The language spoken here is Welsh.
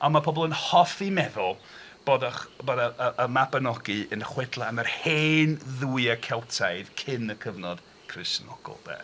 A mae pobl yn hoffi meddwl bod y ch- bod y... y Mabinogi yn chwedlau am yr hen dduwiau Celtaidd cyn y cyfnod Cristnogol 'de.